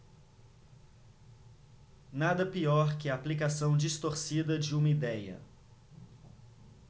nada pior que a aplicação distorcida de uma idéia